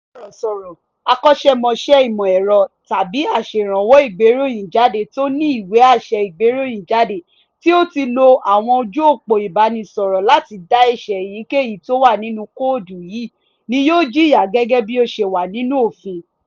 Ì báà jẹ́ Sọ̀rọ̀sọ̀rọ̀, Akọ́ṣẹmọṣẹ ìmọ̀ ẹ̀rọ tàbí Aṣerànwó ìgbéròyìn jáde tó ní ìwé àṣẹ ìgbéròyìn jáde tí ó ti lo àwọn ojú òpó ìbánisọ̀rọ̀ láti dá ẹ̀ṣẹ̀ èyíkèyí tó wà nínú kóòdù yìí ni yóò jìyà gẹ́gẹ́ bí ó ṣe wà nínú ofin.